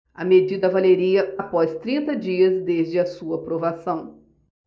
a medida valeria após trinta dias desde a sua aprovação